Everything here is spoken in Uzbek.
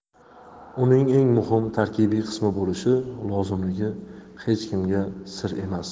uning eng muhim tarkibiy qismi bo'lishi lozimligi hech kimga sir emas